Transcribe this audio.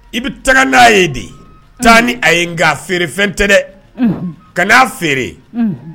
I bɛ taga n'a ye de, taa ni a ye nka feere fɛn tɛ dɛ! ka n'a feere.